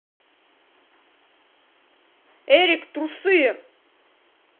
эрик трусы